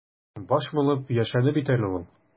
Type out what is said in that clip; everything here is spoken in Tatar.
Баш булып яшәде бит әле ул.